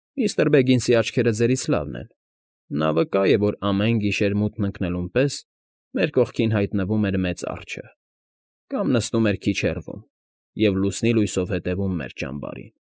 Միստր Բեգինսի աչքերը ձերից լավն են. նա վկա է, որ ամեն գիշեր մութն ընկնելուն պես մեր կողքին հայտնվում էր մեծ արջը կամ նստում էր քիչ հեռվում և լուսնի լույսով հետևում մեր ճամբարին։